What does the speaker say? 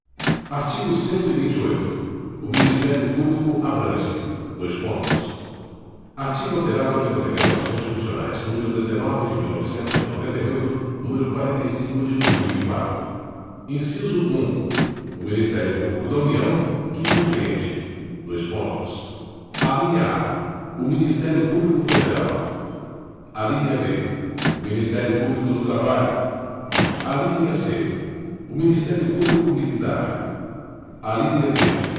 artigo cento e vinte e oito o ministério público abrange dois pontos artigo alterado pelas emendas constitucionais número dezenove de mil e novecentos e noventa e oito número quarenta e cinco de dois mil e quatro inciso um o ministério público da união que compreende dois pontos alínea a o ministério público federal alínea b o ministério público do trabalho alínea c o ministério público militar alínea d